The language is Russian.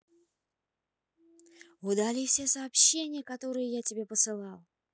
удали все сообщения которые я тебе посылал